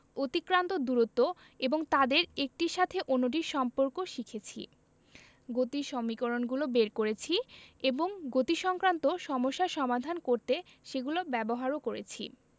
অতিক্রান্ত দূরত্ব এবং তাদের একটির সাথে অন্যটির সম্পর্ক শিখেছি গতির সমীকরণগুলো বের করেছি এবং গতিসংক্রান্ত সমস্যা সমাধান করতে সেগুলো ব্যবহারও করেছি